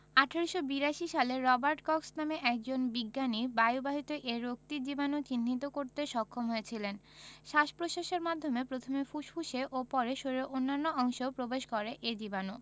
১৮৮২ সালে Robert Cox নামে একজন বিজ্ঞানী বায়ুবাহিত এ রোগটির জীবাণু চিহ্নিত করতে সক্ষম হয়েছিলেন শ্বাস প্রশ্বাসের মাধ্যমে প্রথমে ফুসফুসে ও পরে শরীরের অন্য অংশেও প্রবেশ করে এ জীবাণু